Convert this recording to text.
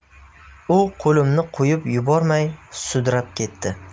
u qo'limni qo'yib yubormay sudrab ketdi